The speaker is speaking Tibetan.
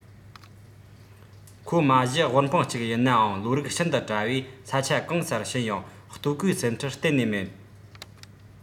ཁོང མ གཞི དབུལ ཕོངས ཅིག ཡིན ནའང བློ རིག ཤིན ཏུ བཀྲ བས ས ཆ གང སར ཕྱིན ཡང ལྟོ གོས སེམས ཁྲལ གཏན ནས མེད